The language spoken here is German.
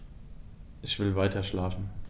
Ich will weiterschlafen.